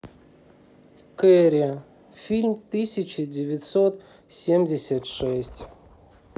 керри фильм тысяча девятьсот семьдесят шесть